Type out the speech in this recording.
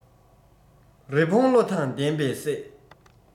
རི བོང བློ དང ལྡན པས བསད